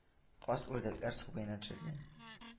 Каз-үрдәкләр су буена төшерде